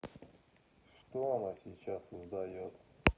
что она сейчас издает